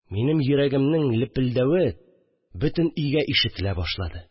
Минем йөрәгемнең лепелдәве бөтен өйгә ишетелә башлады